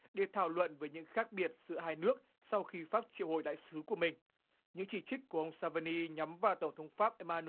để thảo luận về những khác biệt giữa hai nước sau khi pháp triệu hồi đại sứ của mình những chỉ trích của ông sa vi ni nhắm vào tổng thống pháp e ma